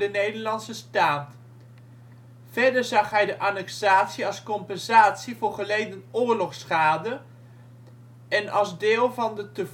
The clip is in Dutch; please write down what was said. Nederlandse staat. Verder zag hij de annexatie als compensatie voor geleden oorlogsschade en als deel van te voeren